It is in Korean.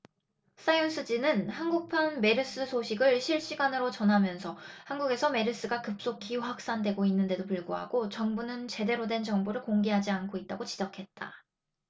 사이언스지는 한국판 메르스 소식을 실시간으로 전하면서 한국에서 메르스가 급속히 확산되고 있는데도 불구하고 정부는 제대로 된 정보를 공개하지 않고 있다고 지적했다